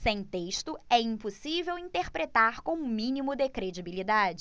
sem texto é impossível interpretar com o mínimo de credibilidade